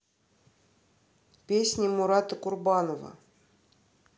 песни мурата курбанова